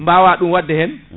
mbawa ɗum wadde hen